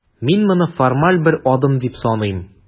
Мин моны формаль бер адым дип саныйм.